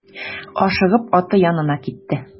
Ашыгып аты янына таба китте.